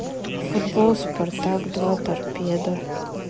футбол спартак два торпедо